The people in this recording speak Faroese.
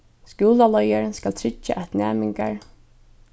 skúlaleiðarin skal tryggja at næmingar